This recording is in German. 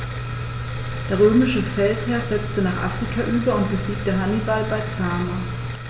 Der römische Feldherr setzte nach Afrika über und besiegte Hannibal bei Zama.